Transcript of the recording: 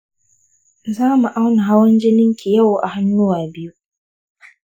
za mu auna hawan jininki yau a hannuwa biyu.